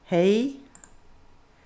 hey